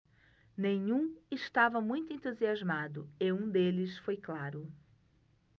nenhum estava muito entusiasmado e um deles foi claro